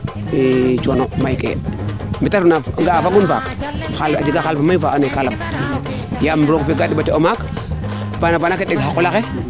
coono may ke mete ref na ga'a fagun faak a jega xaal fa mayu faa ando naye ka lamb yaam roog fe ka deɓate o maak baana baan ka neng xa qolaxe